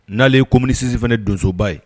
N'ale ye commune VI fɛnɛ donsoba ye